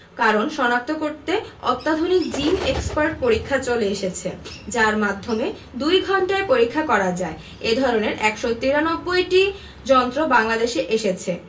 কারণ শনাক্ত করতে অত্যাধুনিক জিন এক্সপার্ট পরীক্ষা চলে এসেছে যার মাধ্যমে দুই ঘণ্টায় পরীক্ষা করা যায় এ ধরনের ১৯৩টি যন্ত্র বাংলাদেশে এসেছে